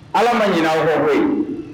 Ala ma ɲinɛ aw kɔ koyi